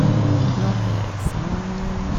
Når har jeg eksamen?